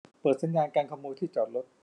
เปิดสัญญาณกันขโมยที่จอดรถ